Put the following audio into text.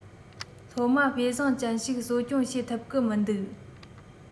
སློབ མ དཔེ བཟང ཅན ཞིག གསོ སྐྱོངས བྱེད ཐུབ གི མི འདུག